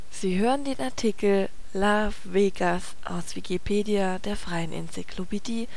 Sie hören den Artikel Love Vegas, aus Wikipedia, der freien Enzyklopädie